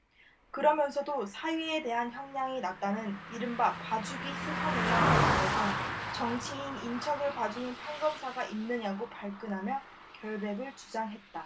그러면서도 사위에 대한 형량이 낮다는 이른바 봐주기 수사 논란에 대해선 정치인 인척을 봐주는 판검사가 있느냐고 발끈하며 결백을 주장했다